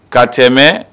Ka tɛmɛ